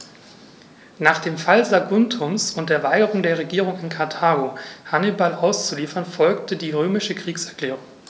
Nach dem Fall Saguntums und der Weigerung der Regierung in Karthago, Hannibal auszuliefern, folgte die römische Kriegserklärung.